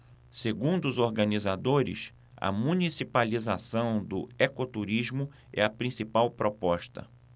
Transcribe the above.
segundo os organizadores a municipalização do ecoturismo é a principal proposta